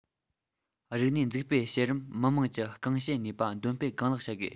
རིག གནས འཛུགས སྤེལ བྱེད རིང མི དམངས ཀྱི རྐང བྱེད ནུས པ འདོན སྤེལ གང ལེགས བྱ དགོས